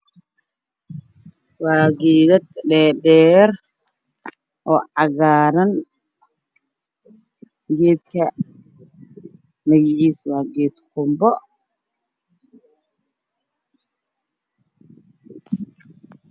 Waa geedo dheedheer oo cagaaran geedka magaciisa waa geed qunbo